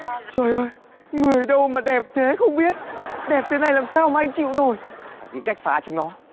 trời ơi người đâu mà đẹp thế không biết đẹp thế này làm sao mà anh chịu nổi phải nghĩ cách phá chúng nó